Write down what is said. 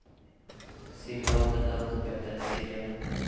сериал гадалка пятая серия